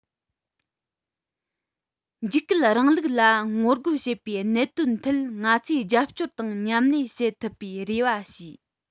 འཇིགས སྐུལ རིང ལུགས ལ ངོ རྒོལ བྱེད པའི གནད དོན ཐད ང ཚོས རྒྱབ སྐྱོར དང མཉམ ལས བྱེད ཐུབ པའི རེ བ ཞུས